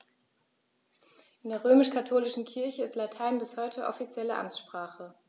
In der römisch-katholischen Kirche ist Latein bis heute offizielle Amtssprache.